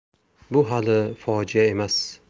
bu hali fojia emas